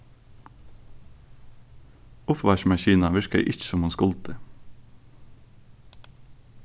uppvaskimaskinan virkaði ikki sum hon skuldi